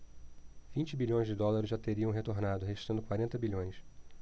vinte bilhões de dólares já teriam retornado restando quarenta bilhões